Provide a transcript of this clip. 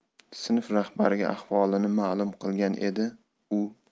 sinf rahbariga ahvolini ma'lum qilgan edi u